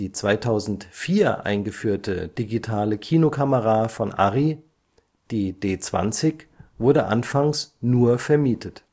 2004 eingeführte digitale Kinokamera von Arri, die D-20, wurde anfangs nur vermietet